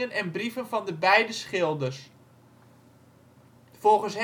en brieven van de beide schilders. Volgens